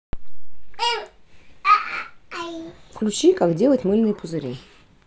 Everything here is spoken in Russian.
включи как делать мыльные пузыри